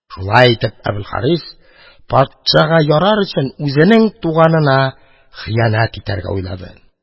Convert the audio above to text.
Шулай итеп, Әбелхарис, патшага ярар өчен, үзенең туганына хыянәт итәргә уйлады.